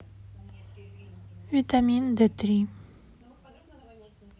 витамин д три